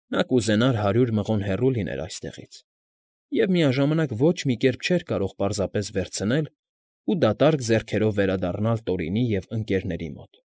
Նա կուզենար հարյուր մղոն հեռու լինել այստեղից և միաժամանակ… և միաժամանակ ոչ մի կերպ չէր կարող պարզապես վերցնել ու դատարկ ձեռքերով վերադառնալ Տորինի և Ընկ.֊ն մոտ։